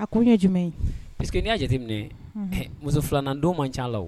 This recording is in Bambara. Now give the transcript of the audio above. A ko i ye jumɛn ye p queseke que n y'a jateminɛ muso filanandon man ca la